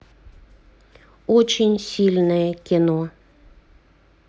очень сильное кино